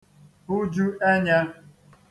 huju ẹ̄nyā